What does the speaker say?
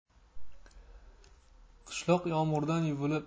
qishloq yomg'irdan yuvilib